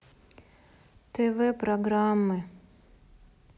тв программы